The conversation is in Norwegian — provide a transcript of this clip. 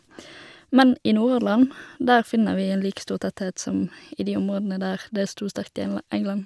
Men i Nordhordland der finner vi en like stor tetthet som i de områdene der det stod sterkt i enla England.